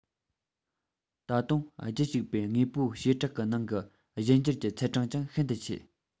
ད དུང རྒྱུད གཅིག པའི དངོས པོའི བྱེ བྲག གི ནང གི གཞན འགྱུར གྱི ཚད གྲངས ཀྱང ཤིན ཏུ ཆེ